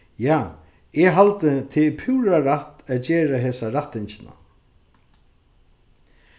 ja eg haldi tað er púra rætt at gera hesa rættingina